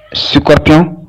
escorter